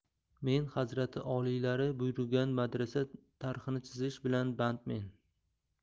men hazrati oliylari buyurgan madrasa tarhini chizish bilan bandmen